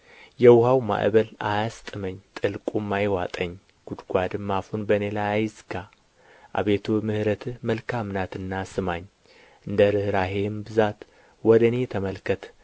የውኃው ማዕበል አያስጥመኝ ጥልቁም አይዋጠኝ ጕድጓድም አፉን በእኔ ላይ አይዝጋ አቤቱ ምሕረትህ መልካም ናትና ስማኝ እንደ ርኅራኄህም ብዛት ወደ እኔ ተመልከት